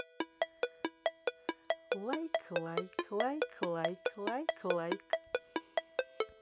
лайк лайк лайк лайк лайк лайк